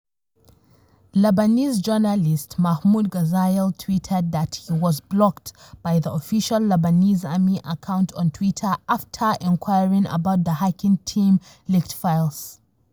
Lebanese journalist Mahmoud Ghazayel tweeted that he was blocked by the official Lebanese Army account on Twitter after inquiring about the Hacking Team leaked files.